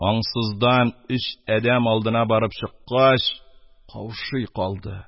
Аңсыздан өч адәм алдына барып чыккач, каушый калды.